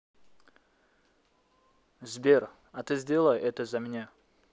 сбер а ты сделай это за меня